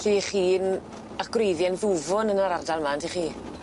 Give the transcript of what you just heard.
Lle 'ych chi'n a'ch gwreiddie'n ddwfwn yn yr ardal 'ma yndych chi?